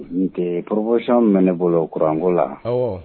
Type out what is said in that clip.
proposition min bɛ ne bolo kuranko la